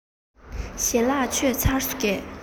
ཞལ ལག ཁ ལག མཆོད བཞེས ཚར སོང ངས